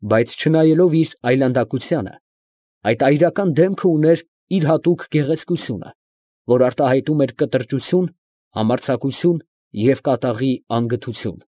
Բայց չնայելով իր այլանդակությանը, այդ այրական դեմքը ուներ իր հատուկ գեղեցկությունը, որ արտահայտում էր կտրճություն, համարձակություն և կատաղի անգթություն։